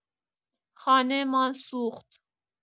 خانه‌مان سوخت.